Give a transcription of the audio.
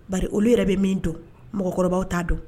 Bari olu yɛrɛ bɛ min don mɔgɔkɔrɔbaw t'a don